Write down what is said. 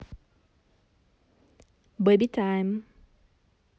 baby time